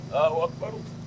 Laahuwakbaru